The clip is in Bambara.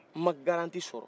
n ma garati sɔrɔ